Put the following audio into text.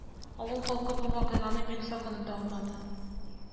Авыл халкы бу вакыйганы бик озак оныта алмады